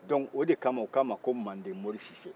dɔnku o de kama u k'a ma mandemorisise